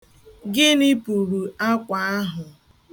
Gịnị puru akwa ahụ?